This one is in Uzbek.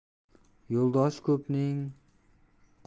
yirtiq uyni tomchi yer